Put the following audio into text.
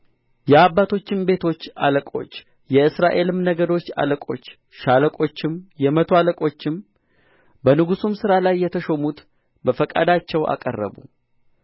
የአባቶችም ቤቶች አለቆች የእስራኤልም ነገዶች አለቆች ሻለቆችም የመቶ አለቆችም በንጉሡም ሥራ ላይ የተሾሙት በፈቃዳቸው አቀረቡ